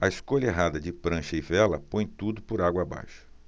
a escolha errada de prancha e vela põe tudo por água abaixo